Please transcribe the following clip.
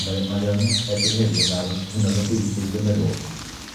A mae mae yn erbyn heddiw yn arf hynod o bwysig dwi'n meddwl.